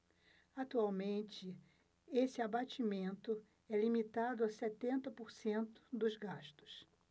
atualmente esse abatimento é limitado a setenta por cento dos gastos